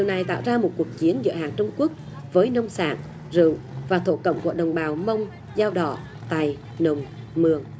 này tạo ra một cuộc chiến giữa hàng trung quốc với nông sản rượu và thổ cẩm của đồng bào mông dao đỏ tày nùng mường